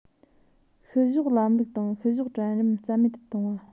བཤུ གཞོག ལམ ལུགས དང བཤུ གཞོག གྲལ རིམ རྩ མེད དུ གཏོང བ